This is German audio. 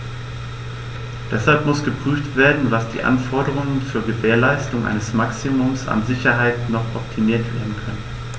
Deshalb muss geprüft werden, wie die Anforderungen zur Gewährleistung eines Maximums an Sicherheit noch optimiert werden können.